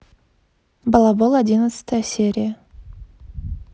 балабол одиннадцатая серия